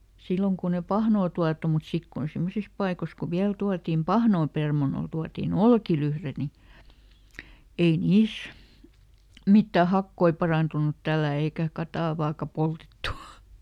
silloin kun ei pahnaa tuotu mutta sitten kun semmoisissa paikoissa kun vielä tuotin pahnaa permannolle tuotiin olkilyhde niin ei niissä mitään hakoja parantunut tällä eikä katajaakaan poltettu